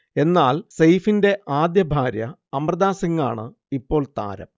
എന്നാൽ സെയ്ഫിൻറെ ആദ്യ ഭാര്യ അമൃത സിങ്ങാണ് ഇപ്പോൾ താരം